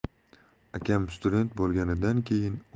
akam student bo'lganidan keyin